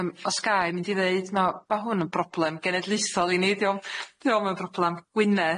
Yym o's gai mynd i ddeud ma' ma' hwn yn broblem genedlaethol i ni dio'm dio'm yn broblem Gwynedd.